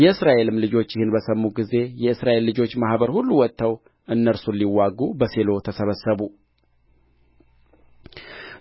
የእስራኤልም ልጆች ይህን በሰሙ ጊዜ የእስራኤል ልጆች ማኅበር ሁሉ ወጥተው እነርሱን ሊዋጉ በሴሎ ተሰበሰቡ